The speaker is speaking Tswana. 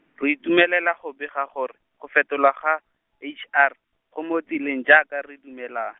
re itumelela go bega gore, go fetolwa ga, H R, go mo tseleng jaaka re dumela.